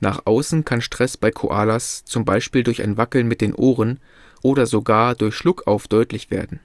Nach außen kann Stress bei Koalas zum Beispiel durch ein Wackeln mit den Ohren oder sogar durch Schluckauf deutlich werden.